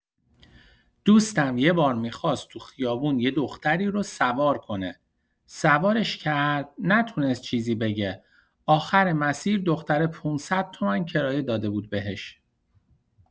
دوستم یه بار می‌خواست تو خیابون یه دختری رو سوار کنه، سوارش کرد نتونست چیزی بگه آخر مسیر دختره پونصد تومن کرایه داده بود بهش.